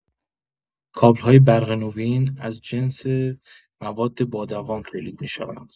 کابل‌های برق نوین از جنس مواد بادوام تولید می‌شوند.